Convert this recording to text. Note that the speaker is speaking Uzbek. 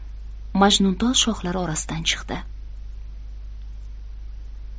majnuntol shoxlari orasidan chiqdi